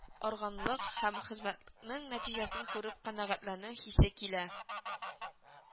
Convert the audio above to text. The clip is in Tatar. Арганлык һәм хезмәтеңнең нәтиҗәсен күреп канәгатьләнү хисе килә